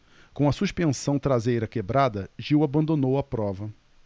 com a suspensão traseira quebrada gil abandonou a prova